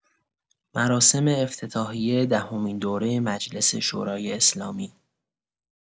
مراسم افتتاحیه دهمین دوره مجلس شورای اسلامی